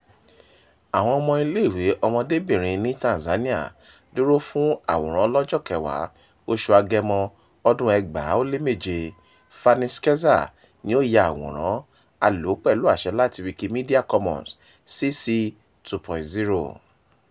Àwọn Ọmọiléèwé ọmọdébìnrin ní Tanzania dúró fún àwòrán lọ́jọ́ 10 oṣù Agẹmọ ọdún-un, 2007. Fanny Schertzer ni ó ya àwòrán, a lò ó pẹ̀lú àṣẹ láti Wikimedia Commons, CC BY 2.0.